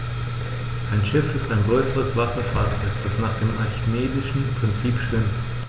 Ein Schiff ist ein größeres Wasserfahrzeug, das nach dem archimedischen Prinzip schwimmt.